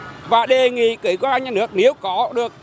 và đề nghị cái cơ quan nhà nước nếu có được